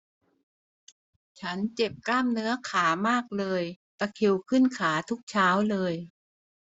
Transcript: ฉันเจ็บกล้ามเนื้อขามากเลยตะคริวขึ้นขาทุกเช้าเลย